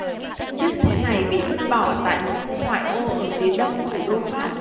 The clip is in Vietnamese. chiếc xe này bị vứt bỏ tại một khu ngoại ô ở phía đông thủ đô pháp